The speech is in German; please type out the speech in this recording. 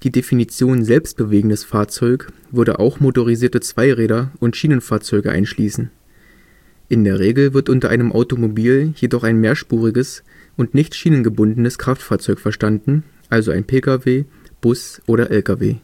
Definition „ selbstbewegendes Fahrzeug “würde auch motorisierte Zweiräder und Schienenfahrzeuge einschließen. In der Regel wird unter einem Automobil jedoch ein mehrspuriges und nicht schienengebundenes Kraftfahrzeug verstanden, also ein Pkw, Bus oder Lkw.